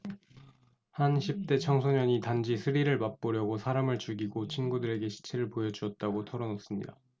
한 십 대 청소년이 단지 스릴을 맛보려고 사람을 죽이고 친구들에게 시체를 보여 주었다고 털어놓습니다